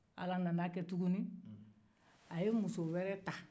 ala nana a kɛ tuguni a ye muso wɛrɛ ta